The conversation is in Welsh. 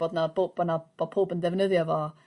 Bod na bo- bo' 'na bo' powb yn ddefnyddio fo.